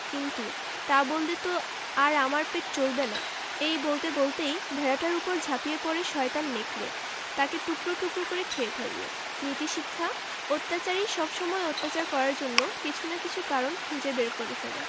কিন্তু তা বললে তো আর আমার পেট চলবে না এই বলতে বলতেই ভেড়াটার উপর ঝাঁপিয়ে পড়ে শয়তান নেকড়ে তাকে টুকরো টুকরো করে খেয়ে ফেলল নীতিশিক্ষাঃ অত্যাচারী সবসময়ই অত্যাচার করার জন্য কিছু না কিছু কারণ খুঁজে বার করে ফেলে